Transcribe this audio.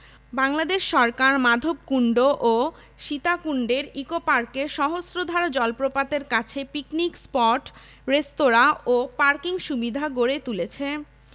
বাংলাদেশ সরকার মাধবকুন্ড ও সীতাকুন্ডের ইকোপার্কের সহস্রধারা জলপ্রপাতের কাছে পিকনিক স্পট রেস্তোরাঁ ও পার্কিং সুবিধা গড়ে তুলেছে